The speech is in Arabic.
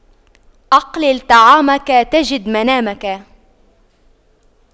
أقلل طعامك تجد منامك